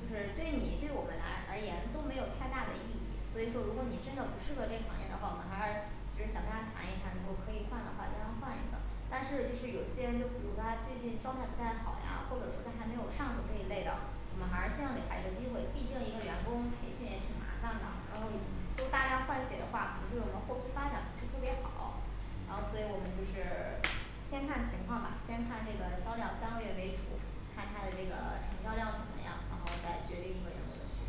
就是嗯对你对我们来而言都没有太大的意义，所以说如果你真的不适合这个行业的话，我们还是是想跟他谈一谈，如果可以换的话让他换一个但是就是有些人就比如他最近状态不太好呀，或者说他还没有上手这一类的，我们还是希望给他一个机会，毕竟一个员工培训也挺麻烦的，然后都大量换血的话，可能对我们后续发展不是特别好然后所以我们就是 先看情况吧，先看这个销量，三个月为主，看他的这个成交量怎么样，然后再决定一个员工的嗯去留